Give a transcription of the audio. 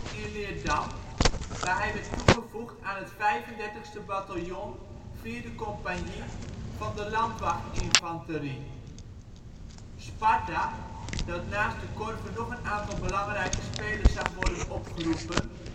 in Leerdam, waar hij werd toegevoegd aan het 35e bataljon 4e compagnie van de Landwachtinfanterie. Sparta, dat naast De Korver nog een aantal belangrijke spelers zag worden opgeroepen